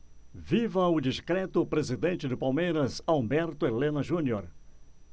viva o discreto presidente do palmeiras alberto helena junior